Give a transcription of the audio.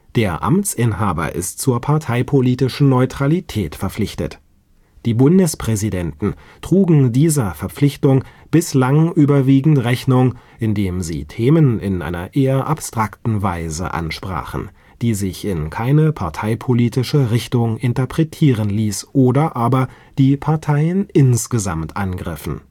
Der Amtsinhaber ist zur parteipolitischen Neutralität verpflichtet. Die Bundespräsidenten trugen dieser Verpflichtung bislang überwiegend Rechnung, indem sie Themen in einer eher abstrakten Weise ansprachen, die sich in keine parteipolitische Richtung interpretieren ließ, oder aber die Parteien insgesamt angriffen